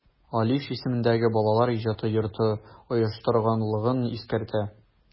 Алиш исемендәге Балалар иҗаты йорты оештырганлыгын искәртә.